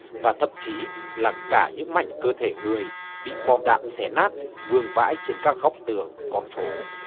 và thậm chí là cả những mảnh cơ thể người bị bom đạn xé nát vương vãi trên các góc tường con phố